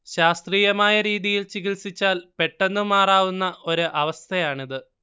ശാസ്ത്രീയമായ രീതിയിൽ ചികിത്സിച്ചാൽ പെട്ടെന്നു മാറാവുന്ന ഒരു അവസ്ഥയാണിത്